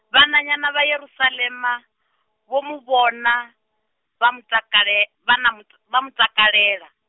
vhananyana vha Yerusalema, vho muvhona, vha mutakale- vhana mut- vha mutakalela.